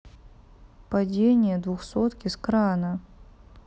падение двухсотки с крана